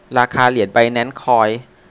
ราคาเหรียญไบแนนซ์คอย